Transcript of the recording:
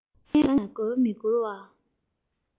དཀའ ངལ ལ མགོ མི སྒུར བ